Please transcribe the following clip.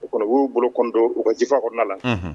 O kɔni'u bolotɔn u ka jifa kɔnɔna la